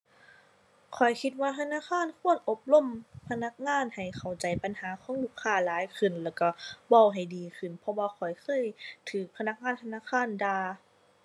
ข้อยคิดว่าธนาคารควรอบรมพนักงานให้เข้าใจปัญหาของลูกค้าหลายขึ้น แล้วก็เว้าให้ดีขึ้น เพราะว่าข้อยเคยก็พนักงานธนาคารด่า